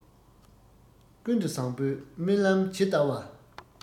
ཀུན ཏུ བཟང བོའི སྨོན ལམ ཇི ལྟ བ